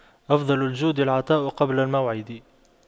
أفضل الجود العطاء قبل الموعد